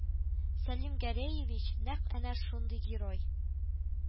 Сәлим Гәрәевич нәкъ әнә шундый герой